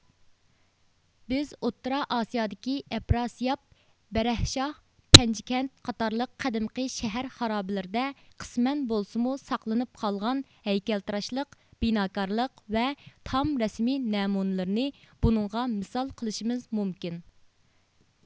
بىز ئوتتۇرا ئاسىيادىكى ئەپراسىياپ بەرەھشاھ پەنجىكەنت قاتارلىق قەدىمكى شەھەر خارابىلىرىدە قىسمەن بولسىمۇ ساقلىنىپ قالغان ھەيكەلتىراشلىق بىناكارلىق ۋە تام رەسىمى نەمۇنىلىرىنى بۇنىڭغا مىسال قىلىشىمىز مۇمكىن